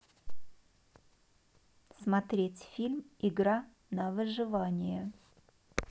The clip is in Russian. смотреть фильм игра на выживание